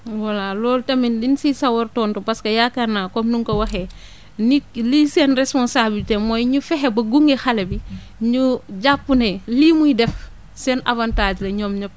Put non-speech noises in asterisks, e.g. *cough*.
voilà loolu tamit dañ siy sawar tontu parce que yaakaar naa comme ni nga ko waxee *breath* ni liy seen res^ponsabilité mooy ñu fexe ba gunge xale bi ñu jàpp ne lii muy def seen avantage la ñoom ñëpp